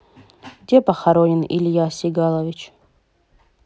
где похоронен илья сегалович